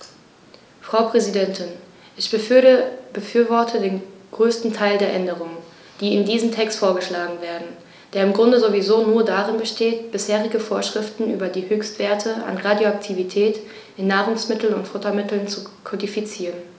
Frau Präsidentin, ich befürworte den größten Teil der Änderungen, die in diesem Text vorgeschlagen werden, der im Grunde sowieso nur darin besteht, bisherige Vorschriften über die Höchstwerte an Radioaktivität in Nahrungsmitteln und Futtermitteln zu kodifizieren.